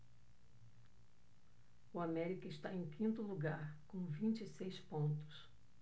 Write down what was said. o américa está em quinto lugar com vinte e seis pontos